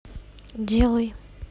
делай